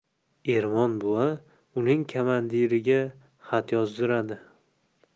ermon buva uning komandiriga xat yozdiradi